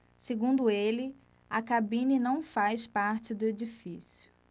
segundo ele a cabine não faz parte do edifício